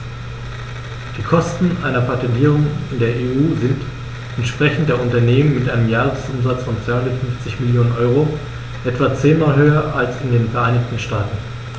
Die Kosten einer Patentierung in der EU sind, entsprechend der Unternehmen mit einem Jahresumsatz von 250 Mio. EUR, etwa zehnmal höher als in den Vereinigten Staaten.